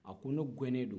a ko ne gɛnnen do